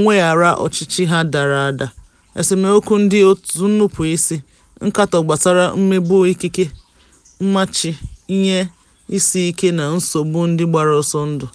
mweghara ọchịchị ha dara ada, esemokwu ndị òtù nnupụisi, nkatọ gbasara mmegbu ikike, mmachi, ihe isiike na nsogbu ndị gbara ọsọ ndụ.